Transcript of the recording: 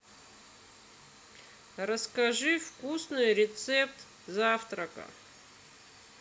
расскажи вкусный рецепт завтрака